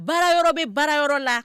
Baara yɔrɔ be baara yɔrɔ la